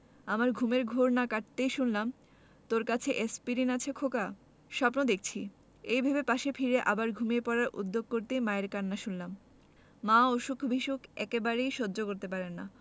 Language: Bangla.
আমার ঘুমের ঘোর না কাটতেই শুনলাম তোর কাছে এ্যাসপিরিন আছে খোকা স্বপ্ন দেখছি এই ভেবে পাশে ফিরে আবার ঘুমিয়ে পড়ার উদ্যোগ করতেই মায়ের কান্না শুনলাম মা অসুখবিসুখ একেবারেই সহ্য করতে পারেন না